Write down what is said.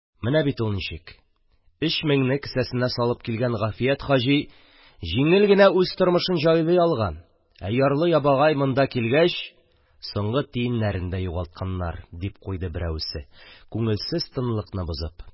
– менә бит ул ничек: өч меңне кесәсенә салып килгән гафият хаҗи җиңел генә үз тормышын җайлый алган, ә ярлы-ябага монда килгәч соңгы тиеннәрен дә югалткан, – дип куйды берәүсе, күңелсез тынлыкны бозып.